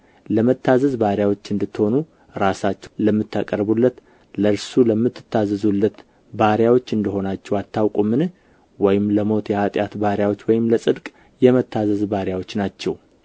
ለመታዘዝ ባሪያዎች እንድትሆኑ ራሳችሁን ለምታቀርቡለት ለእርሱ ለምትታዘዙለት ባሪያዎች እንደ ሆናችሁ አታውቁምን ወይም ለሞት የኃጢአት ባሪያዎች ወይም ለጽድቅ የመታዘዝ ባሪያዎች ናችሁ